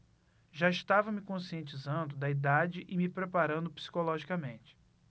já estava me conscientizando da idade e me preparando psicologicamente